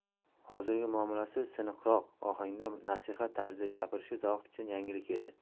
hozirgi muomalasi siniqroq ohangda nasihat tarzida gapirishi zohid uchun yangilik edi